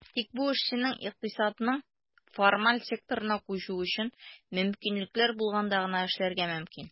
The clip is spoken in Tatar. Тик бу эшченең икътисадның формаль секторына күчүе өчен мөмкинлекләр булганда гына эшләргә мөмкин.